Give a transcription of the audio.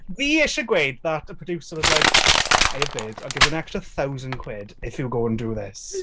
Fi isie gweud that a producer was like, "Hiya babes I'll give you an extra thousand quid if you go and do this."